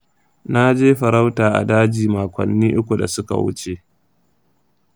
na je farauta a daji makonni uku da suka wuce.